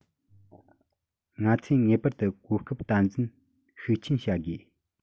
ང ཚོས ངེས པར དུ གོ སྐབས དམ འཛིན ཤུགས ཆེན བྱ དགོས